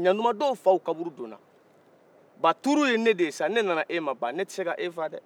ɲatuman dɔw faw kaburu donna ba tuuru ye ne de ye sa ne nana e ma ba ne tɛ se ka e faga dɛɛ